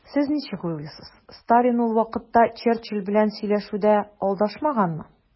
Сез ничек уйлыйсыз, Сталин ул вакытта Черчилль белән сөйләшүдә алдашмаганмы?